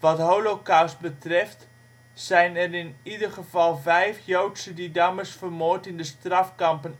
Wat de Holocaust betreft zijn er in ieder geval 5 Joodse Didammers vermoord in de strafkampen